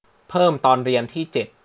เพิ่มตอนเรียนที่เจ็ด